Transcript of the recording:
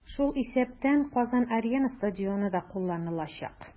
Шул исәптән "Казан-Арена" стадионы да кулланылачак.